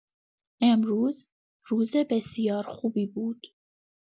امروز روز بسیار خوبی بود.